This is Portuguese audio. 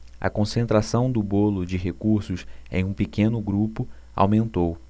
a concentração do bolo de recursos em um pequeno grupo aumentou